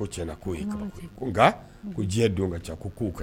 Ɲɛna ko nka diɲɛ don ka ca ko'